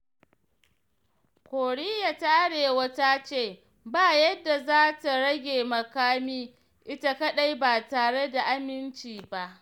Koriya ta Arewa ta ce ‘ba yadda’ za ta rage makami ita kaɗai ba tare da aminci ba